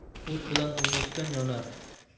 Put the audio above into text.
o't bilan o'ynashgan yonar